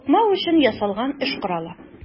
Тукмау өчен ясалган эш коралы.